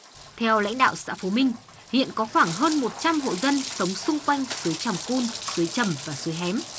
theo lãnh đạo xã phú minh hiện có khoảng hơn một trăm hộ dân sống xung quanh từ suối tràm cun suối trẩm và suối hén